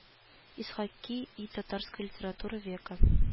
Исхаки и татарская литература века